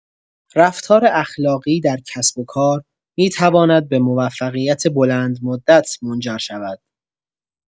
رفتار اخلاقی در کسب‌وکار می‌تواند به موفقیت بلندمدت منجر شود.